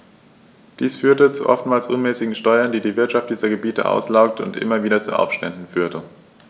Dies führte zu oftmals unmäßigen Steuern, die die Wirtschaft dieser Gebiete auslaugte und immer wieder zu Aufständen führte.